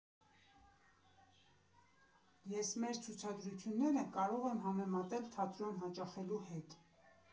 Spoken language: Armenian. Ես մեր ցուցադրությունները կարող եմ համեմատել թատրոն հաճախելու հետ։